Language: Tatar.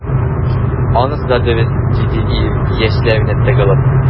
Анысы да дөрес,— диде ир, яшьләренә тыгылып.